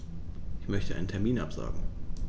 Ich möchte einen Termin absagen.